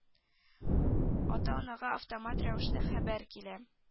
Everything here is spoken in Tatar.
Ата-анага автомат рәвештә хәбәр килә